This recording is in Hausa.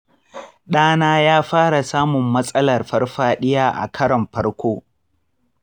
ɗana ya fara samun matsalar farfadiya a karon farko.